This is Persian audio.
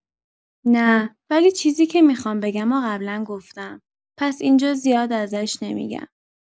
نه، ولی چیزی که میخوام بگم رو قبلا گفتم، پس اینجا زیاد ازش نمی‌گم.